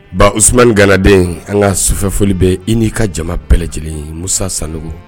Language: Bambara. Bon usman ganaden an ka sufɛf bɛ i n'i ka jama bɛɛlɛ lajɛlen musa san